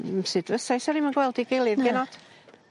Mm sud fysai sa ni'm yn gweld 'i gilydd genod.